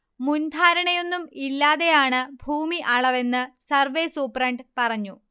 മുൻധാരണയൊന്നും ഇല്ലാതെയാണ് ഭൂമി അളവെന്ന് സർവേ സൂപ്രണ്ട് പറഞ്ഞു